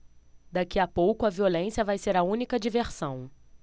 daqui a pouco a violência vai ser a única diversão